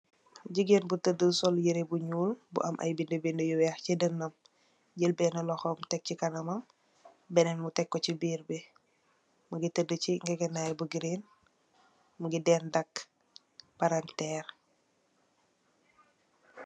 Jigeen bu tadah solo yereh bu null, bu am ayi benni yu weex ci dahnam benen moteko cibirrbi mogui tahdah ci geeganay bu weertah..